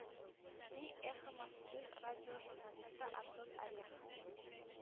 – ди “эхо москвы” радиожурналисты антон орехъ.